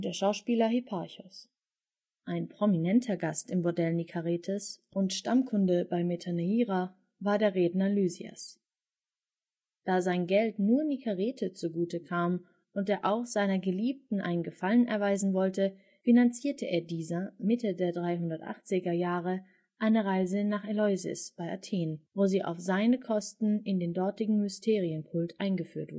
Schauspieler Hipparchos. Ein prominenter Gast im Bordell Nikaretes und Stammkunde bei Metaneira war der Redner Lysias. Da sein Geld nur Nikarete zugute kam und er auch seiner Geliebten einen Gefallen erweisen wollte, finanzierte er dieser Mitte der 380er Jahre eine Reise nach Eleusis bei Athen, wo sie auf seine Kosten in den dortigen Mysterienkult eingeführt